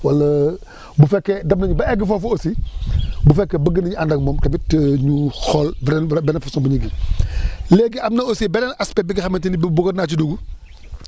wala bu fekkee demnañu ba egg foofu aussi bu fekkee bëgg nañu ànd ak moom tamit ñu xool beneen beneen façon bu ñuy ji léegi am na aussi beneen aspect bi nga xamante ne bii buggoon naa ci dugg